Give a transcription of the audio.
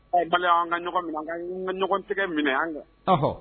Aw balima ka ka ɲɔgɔntigɛ minɛ yan kɛ